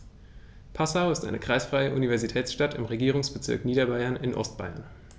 Passau ist eine kreisfreie Universitätsstadt im Regierungsbezirk Niederbayern in Ostbayern.